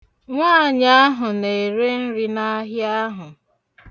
Nwaanyị ahụ na-ere nri n'ahịa ahụ.